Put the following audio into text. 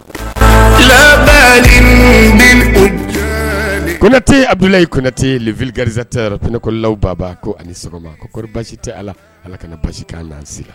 Kɔnate Abulayi kɔnate le vulganisateur pneu kɔlilaw Baba ko ani sɔgɔma kɔni basi tɛ ala Ala ka na basi k'an na.